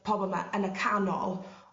pobol 'ma yn y canol